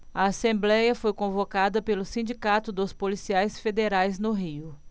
a assembléia foi convocada pelo sindicato dos policiais federais no rio